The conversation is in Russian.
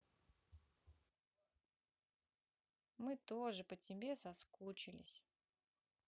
мы тоже по тебе соскучились